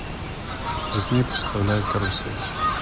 дисней представляет карусель